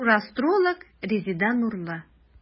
Дежур астролог – Резеда Нурлы.